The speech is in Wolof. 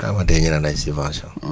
balaa maa dee ñu naan ay subventions